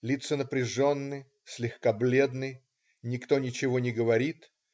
Лица напряженны, слегка бледны. Никто ничего не говорит.